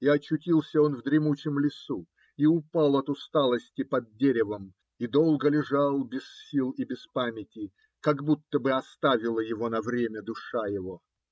И очутился он в дремучем лесу, и упал от усталости под деревом, и долго лежал без сил и без памяти, как будто бы оставила его на время душа его.